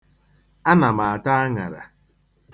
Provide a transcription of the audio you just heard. Ana m ata aṅara.